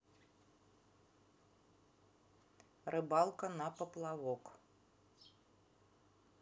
рыбалка на поплавок